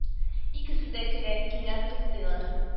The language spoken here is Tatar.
Икесе дә көлә, кинәт туктыйлар